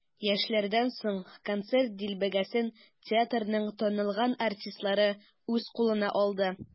Яшьләрдән соң концерт дилбегәсен театрның танылган артистлары үз кулына алды.